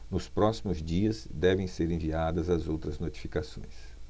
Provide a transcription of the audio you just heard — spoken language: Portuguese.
nos próximos dias devem ser enviadas as outras notificações